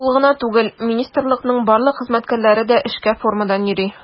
Ул гына түгел, министрлыкның барлык хезмәткәрләре дә эшкә формадан йөри.